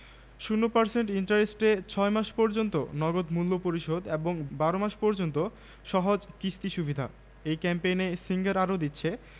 ০% ইন্টারেস্টে ৬ মাস পর্যন্ত নগদ মূল্য পরিশোধ এবং ১২ মাস পর্যন্ত সহজ কিস্তি সুবিধা এই ক্যাম্পেইনে সিঙ্গার আরো দিচ্ছে